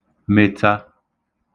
metā